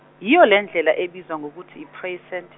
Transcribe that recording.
yiyo lendlela ebizwa ngokuthi i- Proyset.